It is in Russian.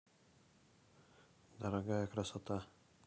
дорогая красота